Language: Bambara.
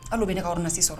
Hali bɛ aw nasi sɔrɔ